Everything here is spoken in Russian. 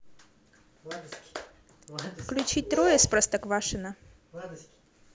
включить трое из простоквашино